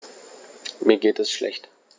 Mir geht es schlecht.